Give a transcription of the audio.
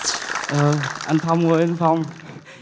ờ anh phong ơi anh phong